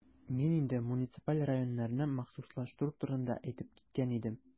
Мин инде муниципаль районнарны махсуслаштыру турында әйтеп киткән идем.